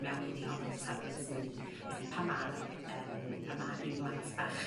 mewn iddi ond safbwynt ni ydi pa ma' 'na yym pan ma' gin blant bach